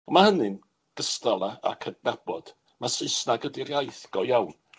ma' hynny'n gystal â â cydnabod, ma' Sysnag ydi'r iaith go iawn